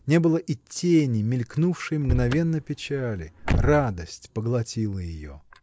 не было и тени мелькнувшей мгновенно печали: радость поглотила ее.